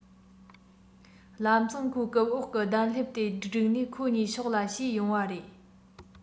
ལམ སེང ཁོའི རྐུབ འོག གི གདན ལྷེབ དེ སྒྲུག ནས ཁོ གཉིས ཕྱོགས ལ ཞུས ཡོང བ རེད